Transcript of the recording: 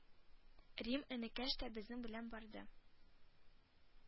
Рим энекәш тә безнең белән барды.